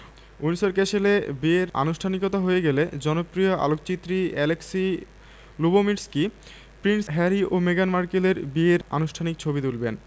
Windsor ক্যাসেলে বিয়ের আনুষ্ঠানিকতা হয়ে গেলে জনপ্রিয় আলোকচিত্রী অ্যালেক্সি লুবোমির্সকি প্রিন্স হ্যারি ও মেগান মার্কেলের বিয়ের আনুষ্ঠানিক ছবি তুলবেন